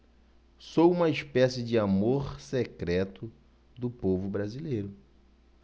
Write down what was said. sou uma espécie de amor secreto do povo brasileiro